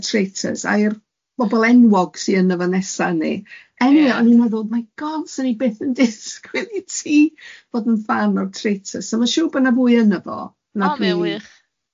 y Traitors a i'r bobol enwog sy yny fo nesa neu, eniwe o'n i'n meddwl my God, 'swn i byth yn disgwyl i ti fod yn ffan o'r Traitors. So ma' siŵr bo' na fwy yno fo... O mae o'n wych.